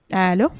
Taa